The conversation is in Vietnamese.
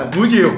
buổi chiều